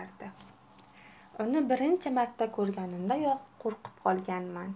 uni birinchi marta ko'rganimdayoq qo'rqib qolganman